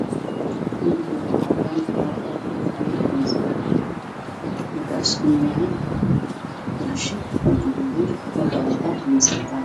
Wiil yaroo cadaan oo fadhiyo masaajid